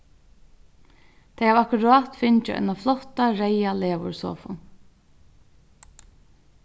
tey hava akkurát fingið eina flotta reyða leðursofu